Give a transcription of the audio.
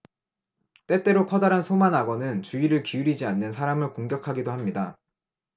때때로 커다란 소만악어는 주의를 기울이지 않는 사람을 공격하기도 합니다